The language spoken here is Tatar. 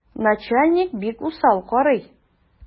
Начальник бик усал карый.